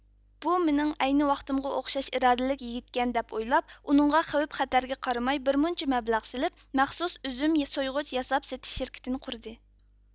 بۇ مېنىڭ ئەينى ۋاقتىمغا ئوخشاش ئىرادىلىك يىگىتكەن دەپ ئويلاپ ئۇنىڭغا خەۋپ خەتەرگە قارىماي بىر مۇنچە مەبلەغ سېلىپ مەخسۇس ئۈزۈم سويغۇچ ياساپ سېتىش شىركىتىنى قۇردى